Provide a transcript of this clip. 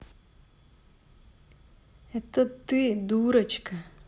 это ты дурочка